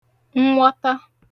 nnwọta